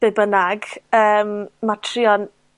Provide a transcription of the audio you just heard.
be' bynnag, yym ma' trio'n